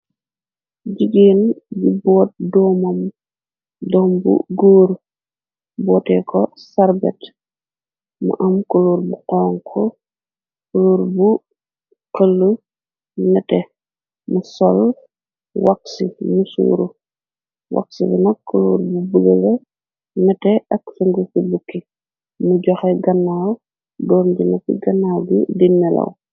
jigeen di boot doomam dom bu góur boote ko sarbet mu am kuluur bu xonk kuluur bu këlu nete mu sol waxsi mu suuru waxsii na kuluur bu bugele nete ak fungu fi bukki mu joxe gannaaw doon ji nati ganaaw gi dine law